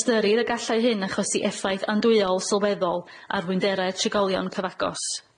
Ystyrir y gallai hyn achosi effaith andwyol sylweddol ar rhwynderau'r trigolion cyfagos.